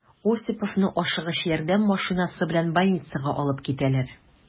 Осиповны «Ашыгыч ярдәм» машинасы белән больницага алып китәләр.